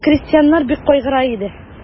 Крестьяннар бик кайгыра иде.